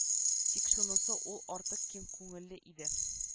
Тик шунысы ул артык киң күңелле иде